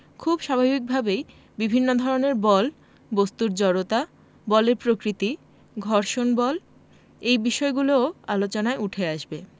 খুব স্বাভাবিকভাবেই বিভিন্ন ধরনের বল বস্তুর জড়তা বলের প্রকৃতি ঘর্ষণ বল এই বিষয়গুলোও আলোচনায় উঠে আসবে